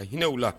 Ka hinɛinɛw la